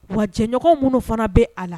Wa Jɛɲɔgɔn minnu fana bɛ a la